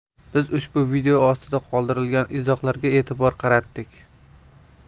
biz ushbu video ostiga qoldirilgan izohlarga e'tibor qaratdik